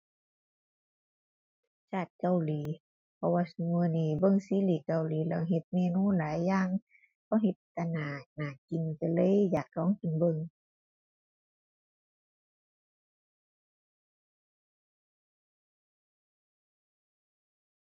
ชาติเกาหลี เพราะว่าซุมื้อนี้เบิ่งซีรีส์เกาหลีแล้วเฮ็ดเมนูหลายอย่าง เขาเฮ็ดอันน่า น่ากินก็เลยอยากลองกินเบิ่ง